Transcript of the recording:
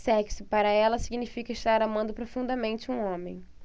sexo para ela significa estar amando profundamente um homem